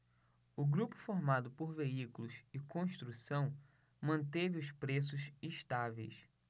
o grupo formado por veículos e construção manteve os preços estáveis